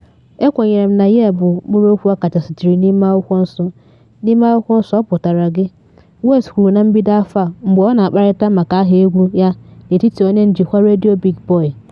“Ekwenyere m na ‘ye’ bụ mkpụrụokwu akachasị jiri n’ime Akwụkwọ Nsọ, n’ime Akwụkwọ Nsọ ọ pụtara ‘gị,”” West kwuru na mbido afọ a, mgbe ọ na akparịta maka aha egwu ya n’etiti onye njikwa redio Big Boy.